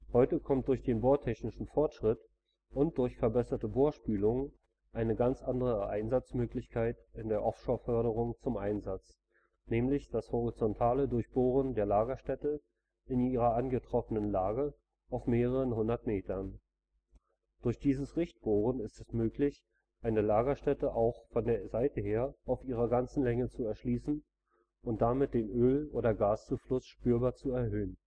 Heute kommt durch den bohrtechnischen Fortschritt und durch verbesserte Bohrspülungen eine ganz andere Einsatzmöglichkeit in der Offshore-Förderung zum Einsatz, nämlich das horizontale Durchbohren der Lagerstätte in ihrer angetroffenen Lage auf mehreren hundert Metern. Durch dieses Richtbohren ist es möglich, eine Lagerstätte auch von der Seite her auf ihrer ganzen Länge zu erschließen und damit den Öl - oder Gaszufluss spürbar zu erhöhen